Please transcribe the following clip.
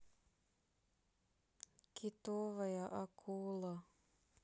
китовая акула